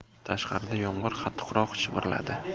tashqarida yomg'ir qattiqroq shivirladi